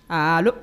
Aa